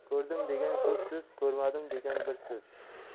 ko'rdim degan ko'p so'z ko'rmadim degan bir so'z